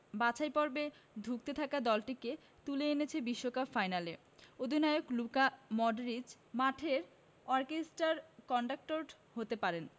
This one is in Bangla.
বাছাই পর্বে ধুঁকতে থাকা দলটিকে তুলে এনেছেন বিশ্বকাপ ফাইনালে অধিনায়ক লুকা মডরিচ মাঠের অর্কেস্ট্রার কন্ডাক্টর হতে পারেন